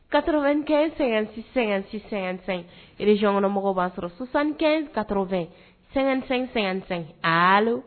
Katoro2---sɛ-sɛsɛn iresonyɔnkɔnɔmɔgɔw b'a sɔrɔsanɛn kato sɛgɛn- ssɛn ali